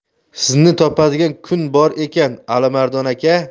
sizni topadigan kun bor ekan alimardon aka